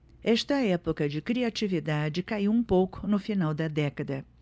esta época de criatividade caiu um pouco no final da década